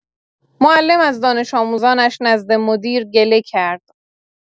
معلم از دانش آموزانش نزد مدیر گله کرد